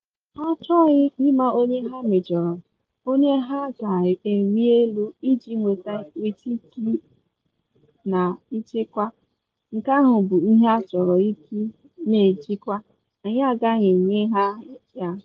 Ha achọghị ịma onye ha mejọrọ, onye ha ga-arị elu iji nweta ike na njikwa, nke ahụ bụ ihe ha chọrọ ike na njikwa, anyị agaghị enye ha ya.”